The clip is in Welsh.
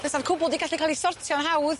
Fysa'r cwbwl di gallu ca'l i sortio'n hawdd.